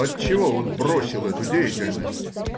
отчего он бросил эту деятельность?